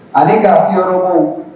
Ale ka fibugu